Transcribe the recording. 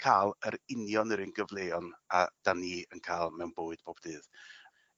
ca'l yr union yr un gyfleon a 'dan ni yn ca'l mewn bywyd pob dydd.